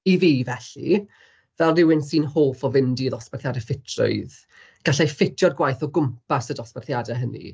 I fi felly, fel rywun sy'n hoff o fynd i ddosbarthiadau ffitrwydd, gallai ffitio'r gwaith o gwmpas y dosbarthiadau hynny...